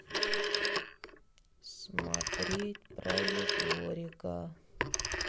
смотреть про егорика